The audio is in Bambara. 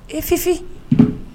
E Fifi